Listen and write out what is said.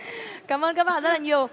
cám ơn các bạn rất là nhiều